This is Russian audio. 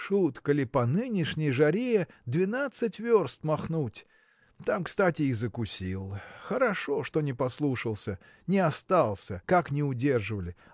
Шутка ли по нынешней жаре двенадцать верст махнуть! Там кстати и закусил. Хорошо, что не послушался не остался как ни удерживали